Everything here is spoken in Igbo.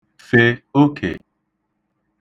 fè okè